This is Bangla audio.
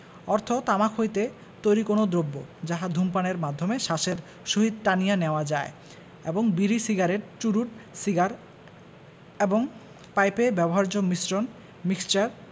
অর্থ তামাক হইতে তৈরী যে কোন দ্রব্য যাহা ধূমপানের মাধ্যমে শ্বাসের সহিত টানিয়া নেওয়া যায় এবং বিড়ি সিগারেট চুরুট সিগার এবং পাইপে ব্যবহার্য মিশ্রণ মিক্সার